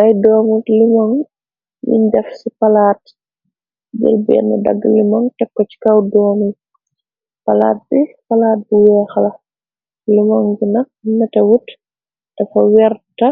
Ay doomi limoŋ yiñ def ci palaat, jël bena dagg limoŋ teko ci kaw doomi, palaat bi palaat bi weex la, limoon bi nak nete wut dafa werta